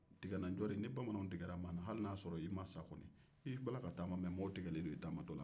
tigɛ-n' na ncori ni bamananw tigɛ la mɔgɔ la hali n'a y'a sɔrɔ i ma sa kɔni i b'a la ka taama mɛ mɔgɔw tigɛlen do i taama tɔla la